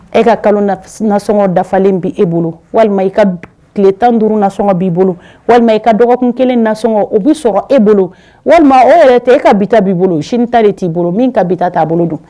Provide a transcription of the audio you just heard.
E ka kalo nasɔngɔ dafalen' e bolo walima i ka tile tan duuru nasɔnɔgɔgɔ b'i bolo walima i ka dɔgɔ kelen nasɔngɔ o bɛ sɔrɔɔgɔ e bolo walima e yɛrɛ tɛ e ka bi'i bolo sini ta de t'i bolo min ka bi t' a bolo don